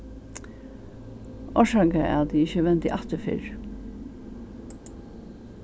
orsaka at eg ikki vendi aftur fyrr